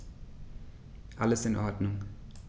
Alles in Ordnung.